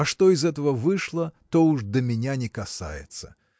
а что из этого вышло, то уж до меня не касается.